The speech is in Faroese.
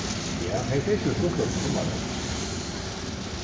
ja hevði tað ikki verið stuttligt um summarið